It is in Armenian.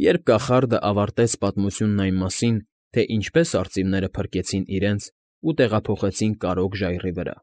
Երբ կախարդը ավարտեց պատմությունն այն մասին, թե ինչպես արծիվները փրկեցին իրենց ու տեղափոխեցին Կարրոկ ժայռի վրա,